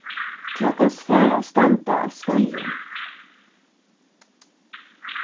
tú kanst fara at standa á skíðum